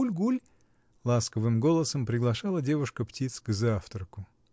гуль-гуль, — ласковым голосом приглашала девушка птиц к завтраку.